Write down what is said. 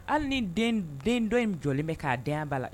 Hali ni den dɔ in jɔlen bɛ k'a den a b'a la!